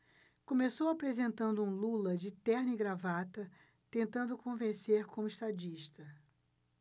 começou apresentando um lula de terno e gravata tentando convencer como estadista